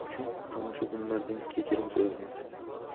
uchun tomoshabinlardan kechirim so'ragan